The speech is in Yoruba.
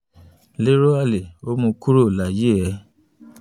Lérò Hale, “Ó mu kúrò láyé ẹ̀.”